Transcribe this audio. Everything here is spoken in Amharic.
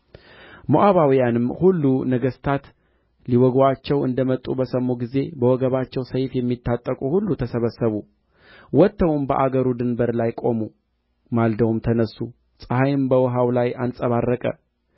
የውኃውንም ምንጮች ሁሉ ትደፍናላችሁ መልካሞችንም እርሻዎች ሁሉ በድንጋይ ታበላሻላችሁ በነጋውም የቍርባን ጊዜ ሲደርስ እነሆ ውኃ በኤዶምያስ መንገድ መጣ ምድሪቱም ውኃ ሞላች